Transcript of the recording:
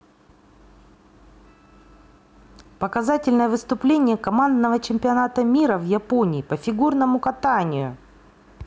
показательное выступление командного чемпионата мира в японии по фигурному катанию